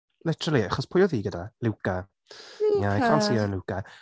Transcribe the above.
Literally, achos pwy oedd hi gyda, Luca?... Luca... Yeah, I can’t see her and Luca.